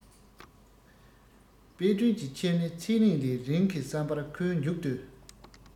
དཔལ སྒྲོན གྱི ཁྱིམ ནི ཚེ རིང ལས རིང གི བསམ པར ཁོས མཇུག ཏུ